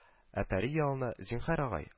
Ә пәри ялына: — Зинһар, агай